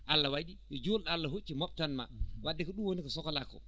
Allah waɗi ko juulɗo Allah hocci moftanmaa wadde ko ɗum woni ko sohlaa koo